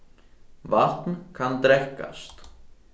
vatn kann drekkast